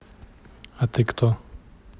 а ты кто